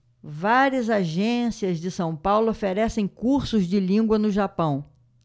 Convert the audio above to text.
várias agências de são paulo oferecem cursos de língua no japão